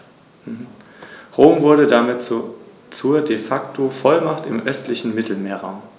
Diese Delegation von Aufgaben ermöglichte es den Römern, mit einer sehr kleinen zentralen Administration operieren zu können.